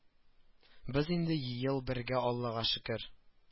Без инде ел бергә аллага шөкер